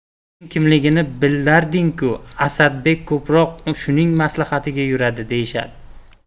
uning kimligini bilarding ku asadbek ko'proq shuning maslahatiga yuradi deyishadi